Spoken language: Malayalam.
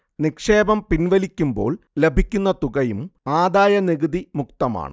നിക്ഷേപം പിൻവലിക്കുമ്പോൾ ലഭിക്കുന്ന തുകയും ആദായനികുതി മുക്തമാണ്